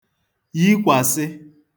yikwàsị